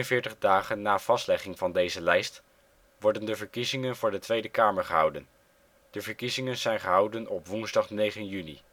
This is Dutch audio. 43 dagen na vastlegging van deze lijst worden de verkiezingen voor de Tweede Kamer gehouden: de verkiezingen zijn gehouden op woensdag 9 juni